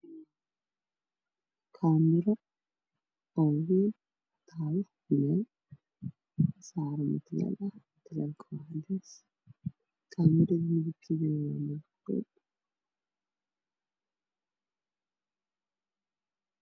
Waa kaamiro meel taalo oo mutuleel ah dhulka waa cadeys, kaamiradu waa madow.